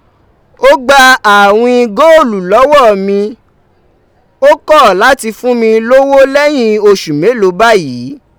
O gba àwin góòlù lọwọ mi, o kọ lati fun mi lowo lẹyin oṣu meloo bayii.